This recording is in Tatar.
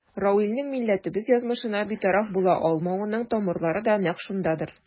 Равилнең милләтебез язмышына битараф була алмавының тамырлары да нәкъ шундадыр.